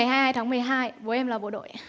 hai tháng mười hai bố em là bộ đội ạ